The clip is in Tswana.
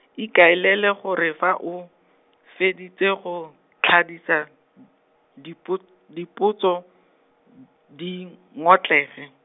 ikaelele gore fa o, feditse go, thadisa, dipo dipotso, di ngotlege.